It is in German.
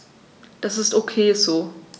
Das ist ok so.